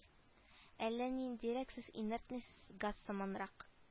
Әллә ниндирәк сез инертный газ сыманрак